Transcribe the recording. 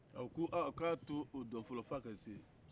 a ko aaa k'a tɛ o dɔn fɔlɔ fo a ka se yen